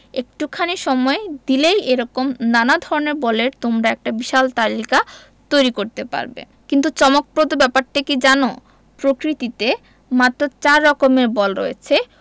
একটুখানি সময় দিলেই এ রকম নানা ধরনের বলের তোমরা একটা বিশাল তালিকা তৈরি করতে পারবে কিন্তু চমকপ্রদ ব্যাপারটি কী জানো প্রকৃতিতে মাত্র চার রকমের বল রয়েছে